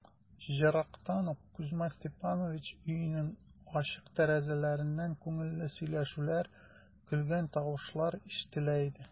Ерактан ук Кузьма Степанович өенең ачык тәрәзәләреннән күңелле сөйләшүләр, көлгән тавышлар ишетелә иде.